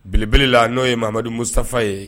Beleb la n'o yemadu musta ye